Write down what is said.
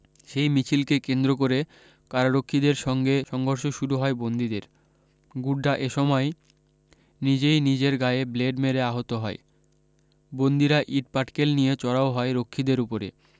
সেই মিছিলকে কেন্দ্র করে কারারক্ষীদের সঙ্গে সংঘর্ষ শুরু হয় বন্দীদের গুড্ডা এসময় নিজই নিজের গায়ে ব্লেড মেরে আহত হয় বন্দিরা ইঁট পাটকেল নিয়ে চড়াও হয় রক্ষীদের উপরে